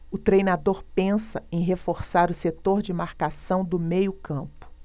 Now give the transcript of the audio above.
o treinador pensa em reforçar o setor de marcação do meio campo